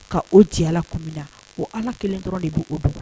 Ka o jɛla kun min na o ala kelen dɔrɔn de b bɛ' bila